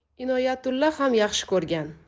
inoyatullo ham yaxshi ko'rgan